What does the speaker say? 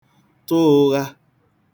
tụ ụ̄ghā